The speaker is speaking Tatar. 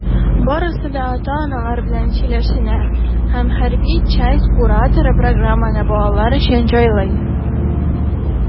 Барысы да ата-аналар белән сөйләшенә, һәм хәрби часть кураторы программаны балалар өчен җайлый.